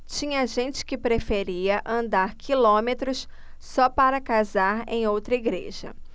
tinha gente que preferia andar quilômetros só para casar em outra igreja